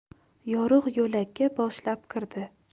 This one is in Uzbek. yorug' yo'lakka boshlab kirdi